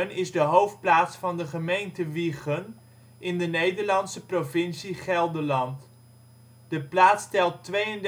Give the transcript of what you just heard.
is de hoofdplaats van de gemeente Wijchen in de Nederlandse provincie Gelderland. De plaats telt 32.714